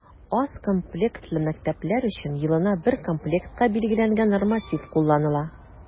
Аз комплектлы мәктәпләр өчен елына бер комплектка билгеләнгән норматив кулланыла.